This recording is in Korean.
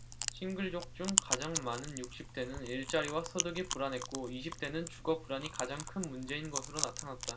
싱글족 중 가장 많은 육십 대는 일자리와 소득이 불안했고 이십 대는 주거 불안이 가장 큰 문제인 것으로 나타났다